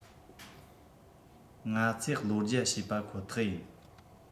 ང ཚོས གི བློ རྒྱ ཕྱེས པ ཁོ ཐག ཡིན